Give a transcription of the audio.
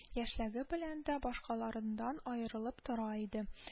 Яшьлеге белән дә башкалардан аерылып тора иде